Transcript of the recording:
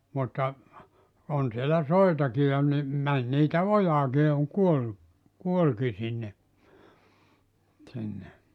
mutta on siellä soitakin ja niin meni niitä ojaankin ja on kuollut kuolikin sinne sinne